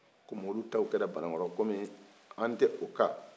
ik konin olu ta kɛra banankɔrɔ komi an tɛ okan